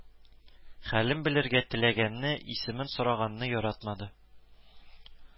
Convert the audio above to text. Хәлен белергә теләгәнне, исемен сораганны яратмады